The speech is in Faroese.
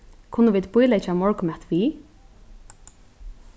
kunnu vit bíleggja morgunmat við